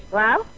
waaw